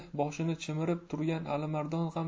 qoshini chimirib turgan alimardon ham